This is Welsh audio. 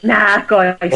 Nag oes!